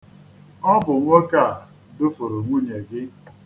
Ọ bụ nwoke a dufuru nwunye gị.